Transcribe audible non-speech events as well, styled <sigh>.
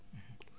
<hesitation> <hesitation>